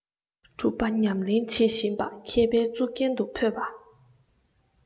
སྒྲུབ པ ཉམས ལེན བྱེད བཞིན པ མཁས པའི གཙུག རྒྱན དུ འཕོས པ